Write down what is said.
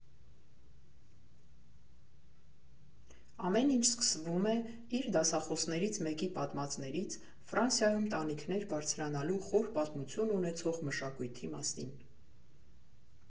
Ամեն ինչ սկսվում է իր դասախոսներից մեկի պատմածներից՝ Ֆրանսիայում տանիքներ բարձրանալու խոր պատմություն ունեցող մշակույթի մասին։